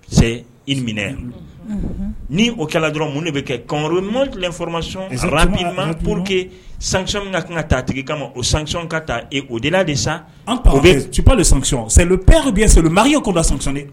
I ni minɛ yan ni o kɛra dɔrɔn mun de bɛ kɛ kɔm ɲuman tile fmac man pour que san min ka kan ka taa tigi kama o sanyɔn ka taa o dela de san tubaɔn salon bɛɛ ka bi solon makankɛ koda